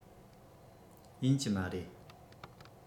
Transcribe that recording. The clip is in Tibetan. ཡིན གྱི མ རེད